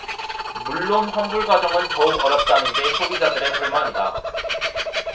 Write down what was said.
물론 환불과정은 더욱 어렵다는 게 소비자들의 불만이다